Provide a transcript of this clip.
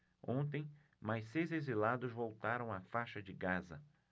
ontem mais seis exilados voltaram à faixa de gaza